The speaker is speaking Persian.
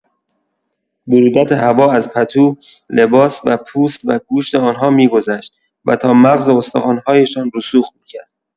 برودت هوا از پتو، لباس و پوست و گوشت آن‌ها می‌گذشت و تا مغز استخوان‌هایشان رسوخ می‌کرد.